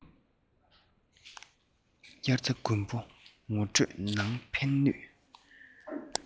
དབྱར རྩྭ དགུན འབུ ངོ སྤྲོད ནང གི ཕན ནུས